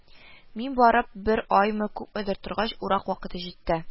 Мин барып бер аймы, күпмедер торгач, урак вакыты җитте